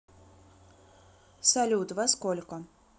салют во сколько